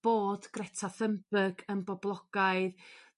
Bod Greta Thunburg yn boblogaidd